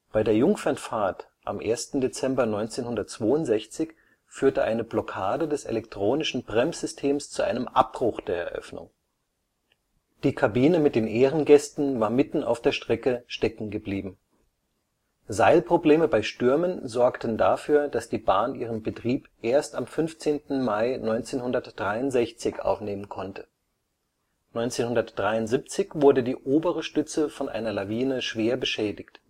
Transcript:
Bei der Jungfernfahrt am 1. Dezember 1962 führte eine Blockade des elektronischen Bremssystems zu einem Abbruch der Eröffnung. Die Kabine mit den Ehrengästen war mitten auf der Strecke steckengeblieben. Seilprobleme bei Stürmen sorgten dafür, dass die Bahn ihren Betrieb erst am 15. Mai 1963 aufnehmen konnte. 1973 wurde die obere Stütze von einer Lawine schwer beschädigt